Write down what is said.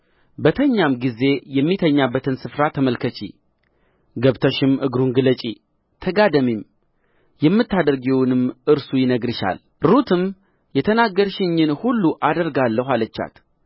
በተኛም ጊዜ የሚተኛበትን ስፍራ ተመልከቺ ገብተሽም እግሩን ግለጪ ተጋደሚም የምታደርጊውንም እርሱ ይነግርሻል ሩትም የተናገርሽኝን ሁሉ አደርጋለሁ አለቻት